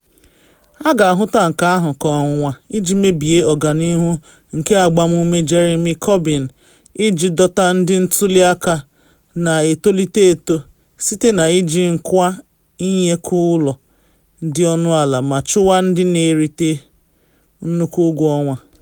A ga-ahụta nke ahụ ka ọnwụnwa iji mebie ọganihu nke agbamume Jeremy Corbyn iji dọta ndị ntuli aka na etolite eto site na iji nkwa ịnyekwu ụlọ dị ọnụ ala ma chụwa ndị na erite nnukwu ụgwọ ọnwa.